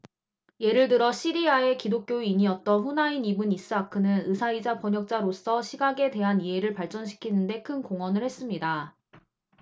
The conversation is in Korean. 예를 들어 시리아의 기독교인이었던 후나인 이븐 이스하크는 의사이자 번역자로서 시각에 대한 이해를 발전시키는 데 큰 공헌을 했습니다